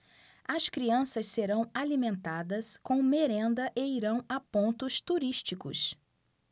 as crianças serão alimentadas com merenda e irão a pontos turísticos